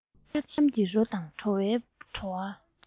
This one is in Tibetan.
ཤ སྐམ གྱི རོ དང འདྲ བའི བྲོ བ